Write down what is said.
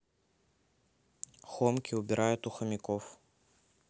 хомки убирает у хомяков